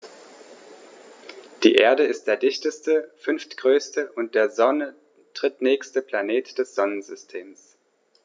Die Erde ist der dichteste, fünftgrößte und der Sonne drittnächste Planet des Sonnensystems.